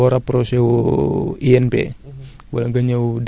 tay jii nii ku soxla woon phosphate ci diggante Louga ak li ko wër